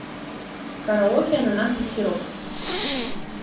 караоке ананасовый сироп